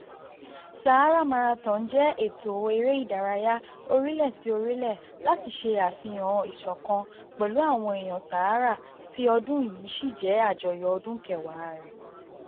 Sahara Marathon jẹ́ ètò eré ìdárayá orílẹ̀-sí-orílẹ̀ láti ṣe àfihàn ìṣọ̀kan pẹ̀lú àwọn èèyàn Saharawi tí ọdún yìí sì jẹ́ àjọyọ̀ ọdún kẹwàá rẹ̀.